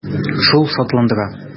Шул шатландыра.